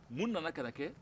mun nana kana kɛ